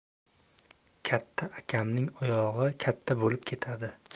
katta akamning oyog'i katta bo'lib ketadi